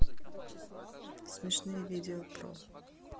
смешные видео про